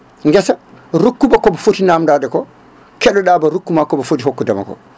guesa rokkuba koba foti namdade ko keɗoɗaba rokkuma koba foti hokkudema ko